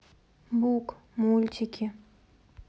бук мультики